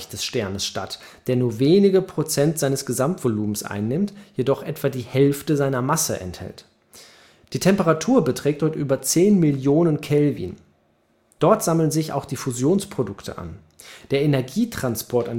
Sternes statt, der nur wenige Prozent seines Gesamtvolumens einnimmt, jedoch etwa die Hälfte seiner Masse enthält. Die Temperatur beträgt dort über 10 Millionen Kelvin. Dort sammeln sich auch die Fusionsprodukte an. Der Energietransport